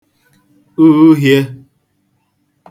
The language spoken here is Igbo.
uhiē